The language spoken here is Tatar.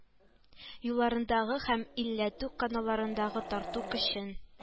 Юлларындагы һәм илләтү каналларындагы тарту көчен